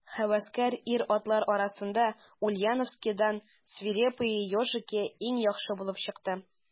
Һәвәскәр ир-атлар арасында Ульяновскидан «Свирепые ежики» иң яхшы булып чыкты.